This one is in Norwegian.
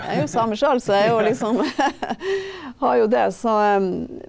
jeg er jo same sjøl så er jo liksom har jo det så .